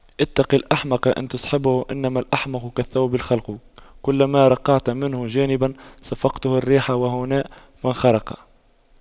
اتق الأحمق أن تصحبه إنما الأحمق كالثوب الخلق كلما رقعت منه جانبا صفقته الريح وهنا فانخرق